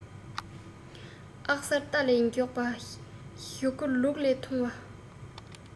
ཨ གསར རྟ ལས མགྱོགས པ ཞུ གུ ལུག ལས ཐུང བ